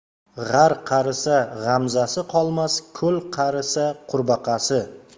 g'ar qarisa g'amzasi qolmas ko'l qarisa qurbaqasi